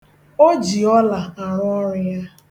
O ji ọla arụ ọrụ ya